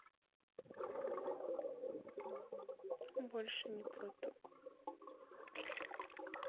больше не плоту